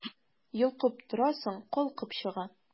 Йолкып торасың, калкып чыга...